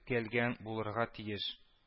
Теркәлгән булырга тиеш